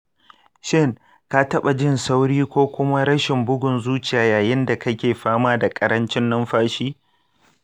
shin ka taɓa jin sauri da kuma rashin bugun zuciya yayin da kake fama da ƙarancin numfashi?